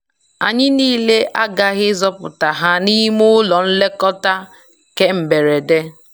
Anyị niile aghaghị ịzọpụta ha n'ime ụlọ nlekọta kemberede.